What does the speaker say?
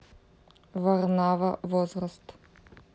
варнава возраст